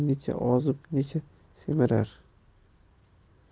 necha ozib necha semirar